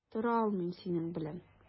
Тора алмыйм синең белән.